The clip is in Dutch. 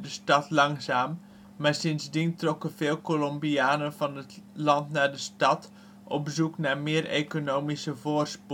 stad langzaam, maar sindsdien trokken veel Colombianen van het land naar de stad op zoek naar meer economische voorspoed